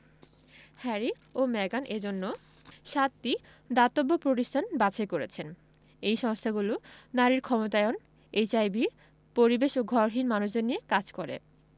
Harry ও মেগান এ জন্য সাতটি দাতব্য প্রতিষ্ঠান বাছাই করেছেন এই সংস্থাগুলো নারীর ক্ষমতায়ন এইচআইভি পরিবেশ ও ঘরহীন মানুষদের নিয়ে কাজ করে